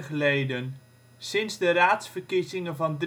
leden. Sinds de raadsverkiezingen van